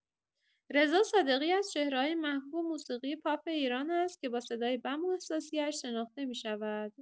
رضا صادقی از چهره‌های محبوب موسیقی پاپ ایران است که با صدای بم و احساسی‌اش شناخته می‌شود.